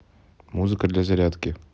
музыка для зарядки